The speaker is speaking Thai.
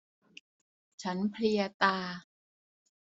ฉันเพลียตา